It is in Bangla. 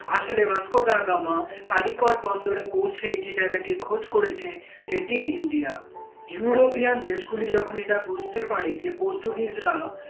আসলে ভাস্কো দা গামা কালিকট বন্দরে পৌঁছে যে জায়গাটির খোঁজ করেছে সেটিই ইন্ডিয়া ইউরোপিয়ান দেশ গুলি যখন এটা বুঝতে পারে যে পর্তুগিজরা